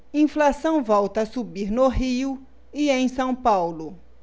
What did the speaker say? inflação volta a subir no rio e em são paulo